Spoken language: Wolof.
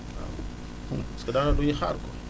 waaw parce que duñu xaar quoi